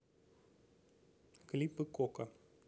клипы кока